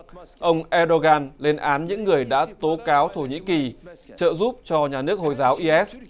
ông e đô gan lên án những người đã tố cáo thổ nhĩ kỳ trợ giúp cho nhà nước hồi giáo i ét